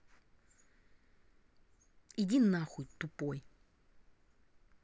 иди нахуй тупой